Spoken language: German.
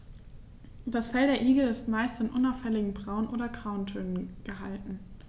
Das Fell der Igel ist meist in unauffälligen Braun- oder Grautönen gehalten.